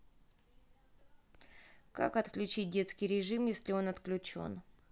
как отключить детский режим если он отключен